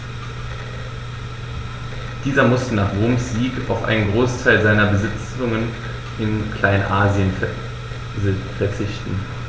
Dieser musste nach Roms Sieg auf einen Großteil seiner Besitzungen in Kleinasien verzichten.